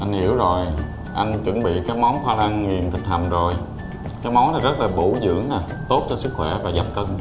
anh hiểu rồi anh chuẩn bị cái món khoai lang nghiền thịt hầm rồi cái món này rất là bổ dưỡng nè tốt cho sức khỏe và giảm cân